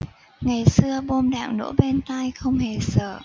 ngày xưa bom đạn nổ bên tai không hề sợ